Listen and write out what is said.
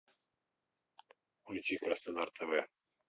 включи краснодар тв